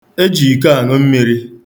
E ji iko aṅụ mmiri.